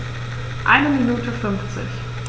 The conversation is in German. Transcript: Eine Minute 50